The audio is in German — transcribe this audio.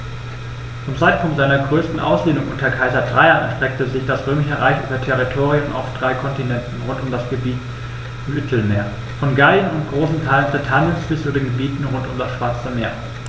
Zum Zeitpunkt seiner größten Ausdehnung unter Kaiser Trajan erstreckte sich das Römische Reich über Territorien auf drei Kontinenten rund um das Mittelmeer: Von Gallien und großen Teilen Britanniens bis zu den Gebieten rund um das Schwarze Meer.